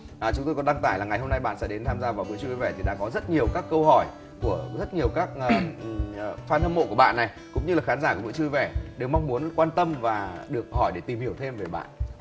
à chúng tôi có đăng tải là ngày hôm nay bạn sẽ đến tham gia vào bữa trưa vui vẻ thì đã có rất nhiều các câu hỏi của rất nhiều các a ừ phan hâm mộ bạn này cũng như là khán giả của bữa trưa vui vẻ đều mong muốn quan tâm và được hỏi để tìm hiểu thêm về bạn